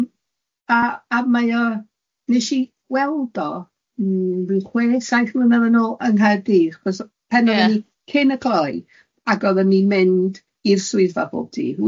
Yym a a mae o nesh i weld o m- ryw chwe, saith mlynedd yn ôl yng Nghaerdydd, achos o- pan odda ni, cyn y cloi, ag odda ni'n mynd i'r swyddfa bob dydd,